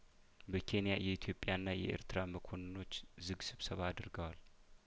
በኬንያየኢትዮጵያ ና የኤርትራ መኮንኖች ዝግ ስብሰባ አድርገዋል